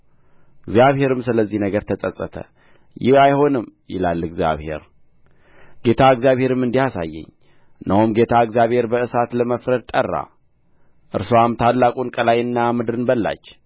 እግዚአብሔርም ስለዚህ ነገር ተጸጸተ ይህ አይሆንም ይላል እግዚአብሔር ጌታ እግዚአብሔርም እንዲህ አሳየኝ እነሆም ጌታ እግዚአብሔር በእሳት ለመፍረድ ጠራ እርስዋም ታላቁን ቀላይና ምድርን በላች